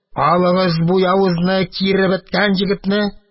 Алыгыз бу явызны, киребеткән егетне!